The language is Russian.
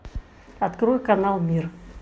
открой канал мир